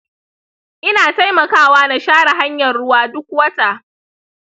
ina taimakawa na share hanyar ruwa duk wata.